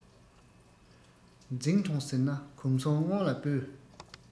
འཛིང ཐོངས ཟེར ན གོམ གསུམ སྔོན ལ སྤོས